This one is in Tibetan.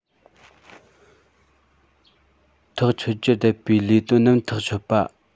ཐག ཆོད རྒྱུར བསྡད པའི ལས དོན རྣམས ཐག ཆོད པ